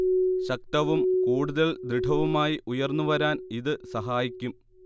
ശക്തവും കൂടുതൽ ദൃഡവുമായി ഉയർന്നു വരാൻ ഇത് സഹായിക്കും